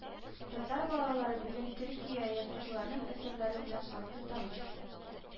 Татар балалары бүген Төркия язучыларының әсәрләре белән шактый таныш